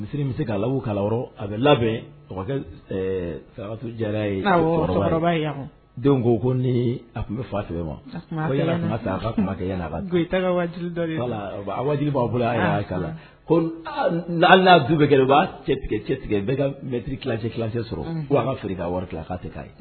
Misisiri misi se k'a la kalan yɔrɔ a bɛ labɛn saga jara ye ko ko ni a tun bɛ fa tigɛ wa ta i waati waatijibi b'a bolo kala ko n'a du bɛɛ katirilajɛ kikisɛ sɔrɔ ko an ka siri ka wari tilala k'a tɛ' ye